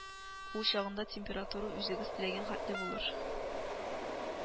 Ул чагында температура үзегез теләгән хәтле булыр